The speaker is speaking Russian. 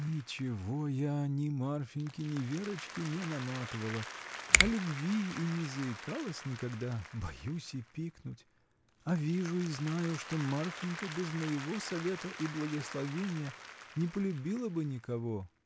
— Ничего я ни Марфиньке, ни Верочке не наматывала: о любви и не заикалась никогда, — боюсь и пикнуть, а вижу и знаю, что Марфинька без моего совета и благословения не полюбила бы никого.